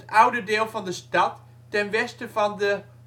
oude deel van de stad, ten westen van de